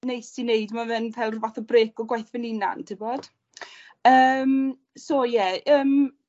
neis i neud ma' fe'n ffel rhyw fath o brêc o gwaith fy'n 'unan t'bod? Yym so ie yym